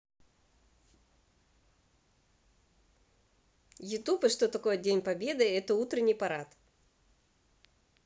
youtube и что такое день победы это утренний парад